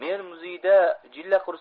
men muzeyda jillaqursa